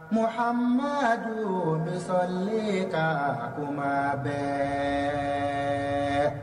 Muhamadu n bi sɔli i kan tuma bɛɛ